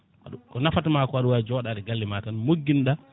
ko nafata ma ko aɗa wawi jooɗade galle ma tan mogguino ɗa